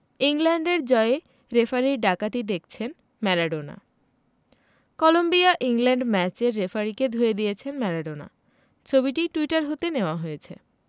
ইংল্যান্ডের জয়ে রেফারির ডাকাতি দেখছেন ম্যারাডোনা কলম্বিয়া ইংল্যান্ড ম্যাচের রেফারিকে ধুয়ে দিয়েছেন ম্যারাডোনা ছবিটি টুইটার হতে নেয়া হয়েছে